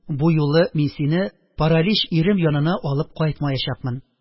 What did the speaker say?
Бу юлы мин сине паралич ирем янына алып кайтмаячакмын.